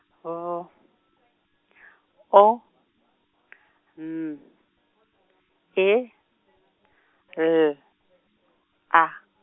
V O N E L A.